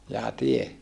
jaa tie